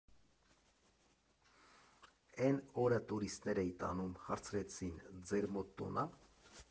Էն օրը տուրիստներ էի տանում, հարցրեցին ՝ ձեր մոտ տոն ա՞։